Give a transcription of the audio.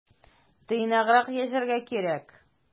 Тыйнаграк яшәргә кирәк.